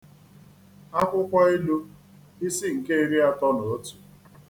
Akwụkwọ Ilu, isi nke iri atọ na otu.